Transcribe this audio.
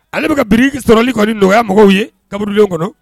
Ale be ka brique sɔrɔli kɔni nɔgɔya mɔgɔw ye kaburudon kɔnɔ